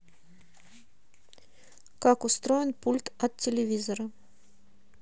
как устроен пульт от телевизора